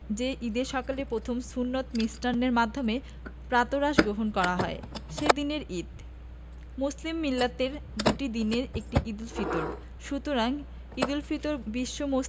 যে ঈদের সকালে প্রথম সুন্নত মিষ্টান্নের মাধ্যমে প্রাতরাশ গ্রহণ করা হয় সে দিনের ঈদ মুসলিম মিল্লাতের দুটি ঈদের একটি ঈদুল ফিতর সুতরাং ঈদুল ফিতর বিশ্ব